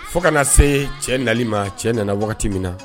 Fo kana se cɛ nali ma cɛ nana wagati min na